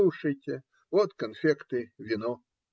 Кушайте: вот конфеты, вино.